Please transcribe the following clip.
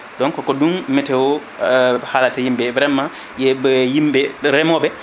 donc ko ɗum météo haalata yimɓeɓe vraiment yeeɓe yimɓe reemoɓe